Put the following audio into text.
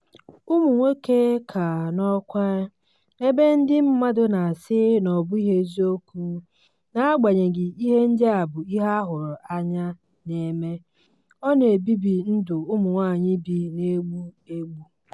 Ụmụnwoke ka n'ọkwa ebe ndị mmadụ na-asị na ọ bụghị eziokwu, n'agabnyeghi ihe ndị a bụ ihe ahụrụ anya na-eme: Ọ na-ebibi ndụ ụmụ nwaanyị bi na EGBU EGBU!